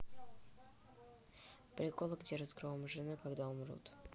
приколы где разгромом жены когда умрут